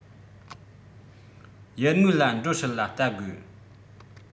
ཡུལ དངོས ལ འགྲོ སྲིད ལ བལྟ དགོས